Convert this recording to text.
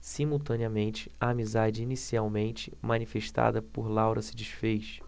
simultaneamente a amizade inicialmente manifestada por laura se disfez